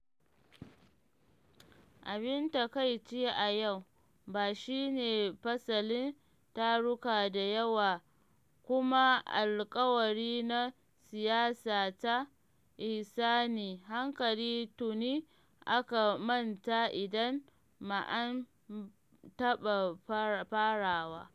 Abin takaici a yau, ba shi ne fasalin taruka da yawa kuma alkawari na siyasa ta “ihsani, hankali” tuni aka manta idan, ma, an taɓa farawa.